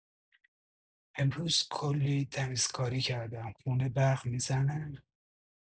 امروز کلی تمیزکاری کردم، خونه برق می‌زنه!